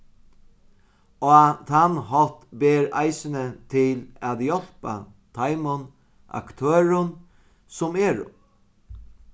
á tann hátt ber eisini til at hjálpa teimum aktørum sum eru